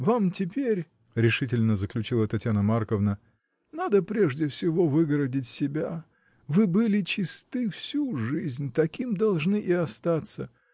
Вам теперь, — решительно заключила Татьяна Марковна, — надо прежде всего выгородить себя: вы были чисты всю жизнь, таким должны и остаться.